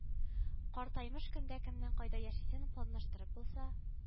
Картаймыш көндә кемнең кайда яшисен планлаштырып булса